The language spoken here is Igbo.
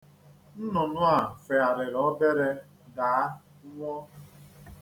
Nnụnụ a fegharịrị obere, daa, nwụọ.